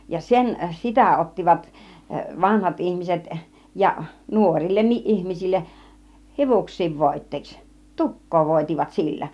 ja sen sitä ottivat vanhat ihmiset ja nuorillekin ihmisille hiuksiin voiteeksi tukkaa voitivat sillä